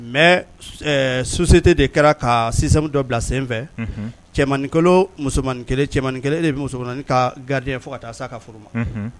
Mais ss ɛɛ société de kɛra kaa système dɔ bila senfɛ unhun cɛmanin 1 o musomanin 1 cɛmanin 1 de bi musoganannin kaa gardien ye fo ka taa se a ka furu ma unhun